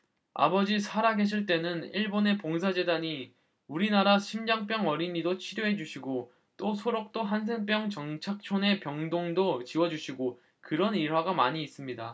아버지 살아계실 때는 일본의 봉사재단이 우리나라 심장병 어린이도 치료를 해주시고 또 소록도 한센병 정착촌에 병동도 지어주시고 그런 일화가 많이 있습니다